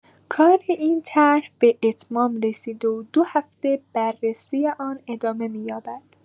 کار این طرح به اتمام رسیده و دو هفته بررسی آن ادامه می‌یابد.